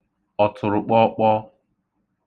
ọ̀tụ̀rụ̀kpọọkpọọ